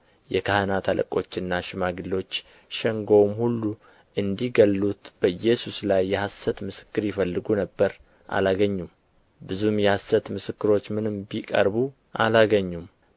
የካህናት አለቆችና ሽማግሎች ሸንጐውም ሁሉ እንዲገድሉት በኢየሱስ ላይ የሐሰት ምስክር ይፈልጉ ነበር አላገኙም ብዙም የሐሰት ምስክሮች ምንም ቢቀርቡ አላገኙም